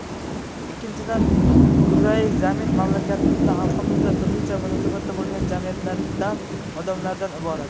ikkinchidan kurrai zamin mamlakatimizga xalqimizga turlicha munosabatda bo'lgan jamiyatlardan odamlardan iborat